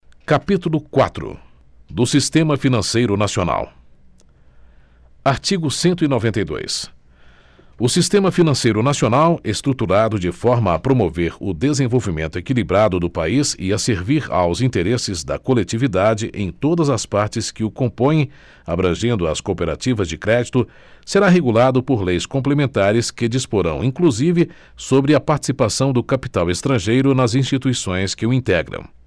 capítulo quatro do sistema financeiro nacional artigo cento e noventa e dois o sistema financeiro nacional estruturado de forma a promover o desenvolvimento equilibrado do país e a servir aos interesses da coletividade em todas as partes que o compõem abrangendo as cooperativas de crédito será regulado por leis complementares que disporão inclusive sobre a participação do capital estrangeiro nas instituições que o integram